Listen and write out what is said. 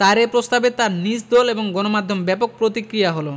তাঁর এ প্রস্তাবে তাঁর নিজ দল এবং গণমাধ্যমে ব্যাপক প্রতিক্রিয়া হলো